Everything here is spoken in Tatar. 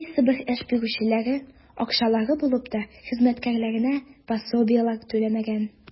Кайсыбер эш бирүчеләр, акчалары булып та, хезмәткәрләренә пособиеләр түләмәгән.